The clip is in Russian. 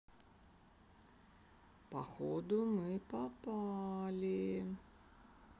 походу мы попали